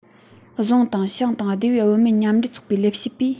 རྫོང དང ཤང སྡེ བའི བུད མེད མཉམ འབྲེལ ཚོགས པའི ལས བྱེད པས